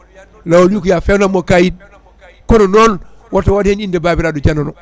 laawol wi ko ya fewnanmo kayit kono noon woto wat hen inde babiraɗo janano